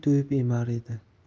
to'yib emar edi